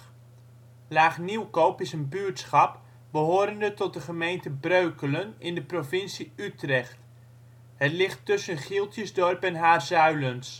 buurtschap behorende tot de gemeente Breukelen in de provincie Utrecht. Het ligt tussen Gieltjesdorp en Haarzuilens